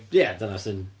Ia, dyna'n sy'n...